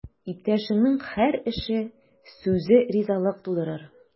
Иптәшеңнең һәр эше, сүзе ризалык тудырыр.